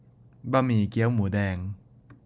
บะหมี่เกี๊ยวหมูแดง